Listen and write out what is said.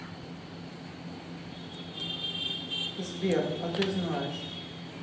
сбер а ты знаешь